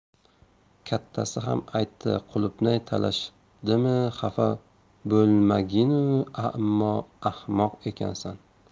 kattasi ham aytdi qulupnay talashishibdimi xafa bo'lmaginu ammo ahmoq ekansan